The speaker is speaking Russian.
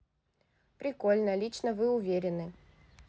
прикольно лично вы уверены